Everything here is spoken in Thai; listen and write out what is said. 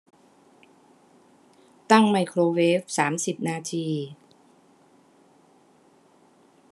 ตั้งไมโครเวฟสามสิบนาที